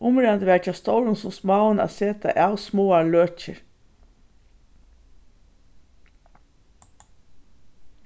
umráðandi var hjá stórum sum smáum at seta av smáar løkir